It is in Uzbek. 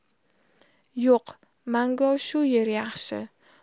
yo'q mango shu yer yaxshi